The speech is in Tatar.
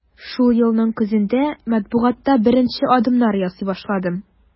Шул елның көзендә матбугатта беренче адымнар ясый башладым.